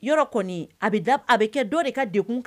Yɔrɔ kɔnii a be dab a be kɛ dɔ de ka dekun k